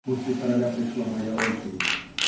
После короля пришла моя очередь.